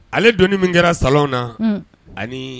Ale don min kɛra salon na, un, ani